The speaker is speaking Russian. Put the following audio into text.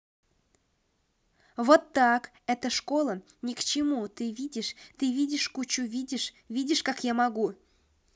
вот так эта школа ни к чему ты видишь ты видишь кучу видишь видишь как я могу